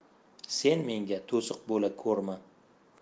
sen menga to'siq bo'la ko'rma